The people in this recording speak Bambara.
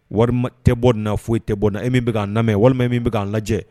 Walima tɛ bɔ na foyi tɛ bɔ na e min k'a namɛ walima min bɛ k'a lajɛ